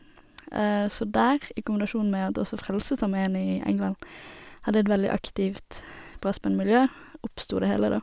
Så der, i kombinasjon med at også Frelsesarmeen i England hadde et veldig aktivt brassband-miljø, oppstod det hele, da.